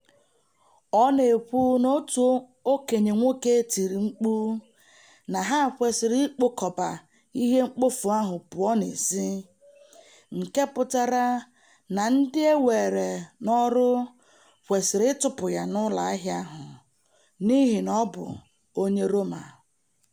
Ọ na-ekwu na otu okenye nwoke tiri mkpu na ha "kwesịrị ikpokọba ihe mkpofu ahụ pụọ n'ezi", nke pụtara na ndị e weere n'ọrụ kwesịrị ịtụpụ ya n'ụlọ ahịa ahụ, n'ihi na ọ bụ onye Roma.